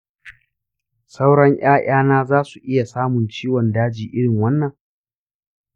sauran ƴaƴana zasu iya samun ciwon daji irin wannan?